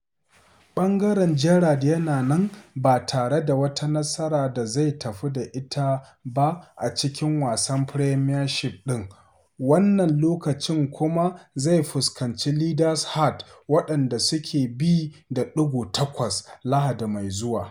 Ɓangaren Gerrard yana nan ba tare da wata nasara da zai ta fi da ita ba a cikin wasan Premiership ɗin wannan loƙacin kuma zai fuskanci Leaders Hearts, waɗanda suke bi da digo takwas, Lahadi mai zuwa.